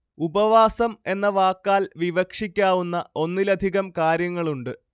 ഉപവാസം എന്ന വാക്കാൽ വിവക്ഷിക്കാവുന്ന ഒന്നിലധികം കാര്യങ്ങളുണ്ട്